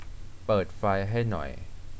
เปิดไฟให้หน่อย